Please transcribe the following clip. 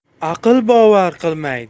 aql bovar qilmaydi